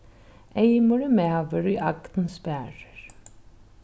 eymur er maður ið agn sparir